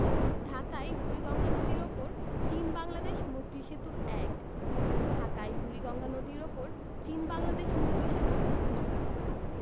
ঢাকায় বুড়িগঙ্গা নদীর উপর চীন বাংলাদেশ মৈত্রী সেতু ১ ঢাকায় বুড়িগঙ্গা নদীর উপর চীন বাংলাদেশ মৈত্রী সেতু ২